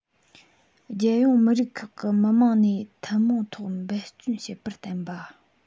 རྒྱལ ཡོངས མི རིགས ཁག གི མི དམངས ནས ཐུན མོང ཐོག འབད བརྩོན བྱེད པར བརྟེན པ